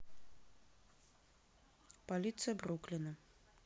полиция бруклина